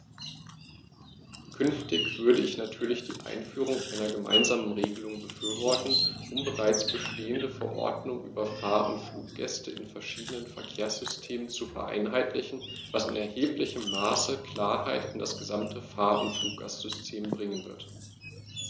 Künftig würde ich natürlich die Einführung einer gemeinsamen Regelung befürworten, um bereits bestehende Verordnungen über Fahr- oder Fluggäste in verschiedenen Verkehrssystemen zu vereinheitlichen, was in erheblichem Maße Klarheit in das gesamte Fahr- oder Fluggastsystem bringen wird.